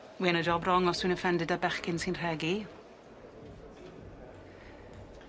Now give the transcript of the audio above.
Wi yn y job rong os dwi'n offended 'dy bechgyn sy'n rhegi.